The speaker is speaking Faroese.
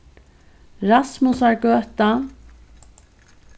rasmusargøta